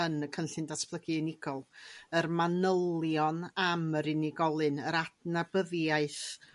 yn y cynllun datblygu unigol yr manylion am yr unigolyn yr adnabyddiaeth